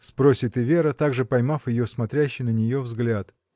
— спросит и Вера, также поймав ее смотрящий на нее взгляд.